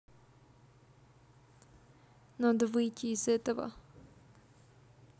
надо выйти из этого